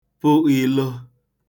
pụ īlō